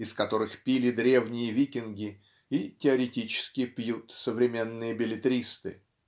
из которых пили древние викинги и теоретически пьют современные беллетристы?.